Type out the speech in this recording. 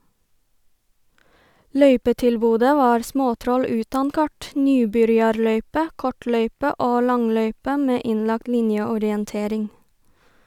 Løypetilbodet var småtroll utan kart, nybyrjarløype, kortløype og langløype med innlagt linjeorientering.